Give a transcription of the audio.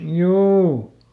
juu